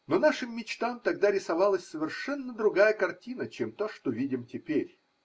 Но – нашим мечтам тогда рисовалась совершенно другая картина, чем то, что видим теперь.